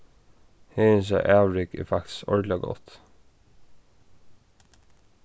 heðinsa avrik er faktiskt ordiliga gott